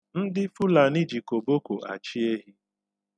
Ndị Fulani ji koboko achị ehi.